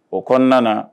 O kɔnɔna